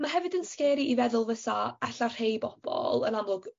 Ma' hefyd yn scary i feddwl fysa alla rhei bobol yn amlwg